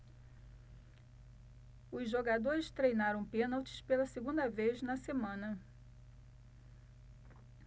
os jogadores treinaram pênaltis pela segunda vez na semana